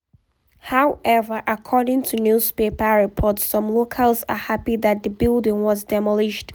However, according to newspaper reports, some locals are happy that the building was demolished.